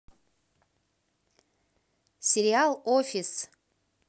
сериал офис